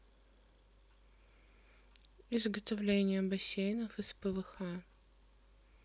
изготовление бассейнов из пвх